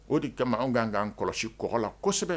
O de kama an ka kaan kɔlɔsi kɔ la kosɛbɛ